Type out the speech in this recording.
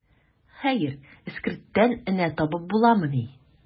Хәер, эскерттән энә табып буламыни.